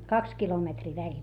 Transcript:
kaksi kilometriä väliä